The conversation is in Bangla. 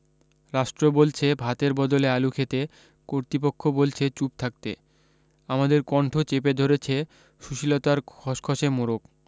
রাষ্ট্র বলছে ভাতের বদলে আলু খেতে কর্তৃপক্ষ বলছে চুপ থাকতে আমাদের কন্ঠ চেপে ধরেছে সুশীলতার খসখসে মোড়ক